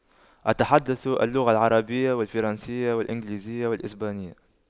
أتحدث اللغة العربية والفرنسية والإنجليزية والإسبانية